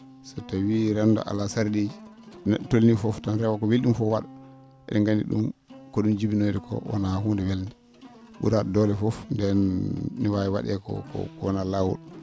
so tawii renndo ngo alaa sar?iiji ne??o toni fof tan rewa ko weli ?um fof wa?a e?en nganndi ?um ko ?um jibinoyta ko wonaa huunde welde ?uraa?o doole fof nden no waawi wa?ee ko ko wonaa laawol